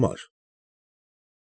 Համար։